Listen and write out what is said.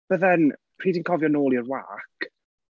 But then pryd ti'n cofio nôl i'r wâc.